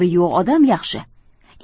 yo'q odam yaxshi